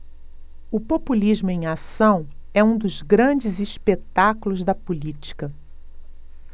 o populismo em ação é um dos grandes espetáculos da política